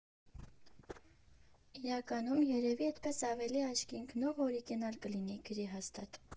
Իրականում երևի էդպես ավելի աչքի ընկնող ու օրիգինալ կլինի, գրի հաստատ։